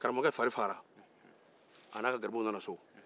karamɔgɔkɛ fari fagara